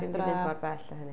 Ddim 'di mynd mor bell â hynny.